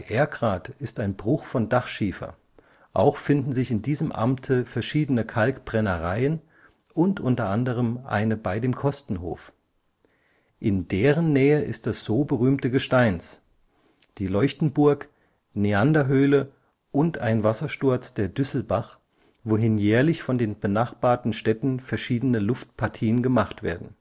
Erkrath ist ein Bruch von Dachschiefer; auch finden sich in diesem Amte verschiedene Kalkbrennereyen, und unter anderem eine bey dem Kostenhof. In deren Nähe ist das so berühmte Gesteins: die Leuchtenburg, Neanderhöhle, und ein Wassersturz der Düsselbach, wohin jährlich von den benachbarten Städten verschiedene Luftpartien gemacht werden